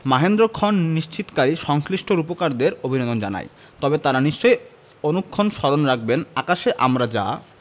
মাহেন্দ্রক্ষণ নিশ্চিতকারী সংশ্লিষ্ট রূপকারদের অভিনন্দন জানাই তবে তাঁরা নিশ্চয় অনুক্ষণ স্মরণে রাখবেন আকাশে আমরা যা